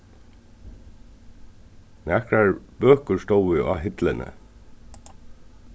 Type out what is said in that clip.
nakrar bøkur stóðu á hillini